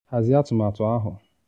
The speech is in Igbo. Hazie atụmatụ ahụ."